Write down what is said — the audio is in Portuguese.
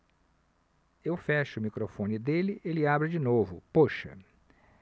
eu fecho o microfone dele ele abre de novo poxa